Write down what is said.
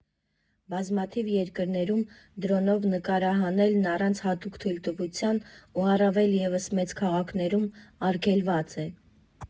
Բազմաթիվ երկրներում դրոնով նկարահանելն առանց հատուկ թույլտվության ու, առավելևս, մեծ քաղաքներում, արգելված է։